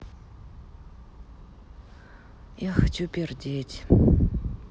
я хочу пердеть